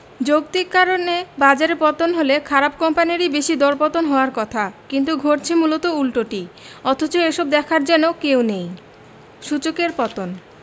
যৌক্তিক কারণে বাজারে পতন হলে খারাপ কোম্পানিরই বেশি দরপতন হওয়ার কথা কিন্তু ঘটছে মূলত উল্টোটি অথচ এসব দেখার যেন কেউ নেই সূচকের পতন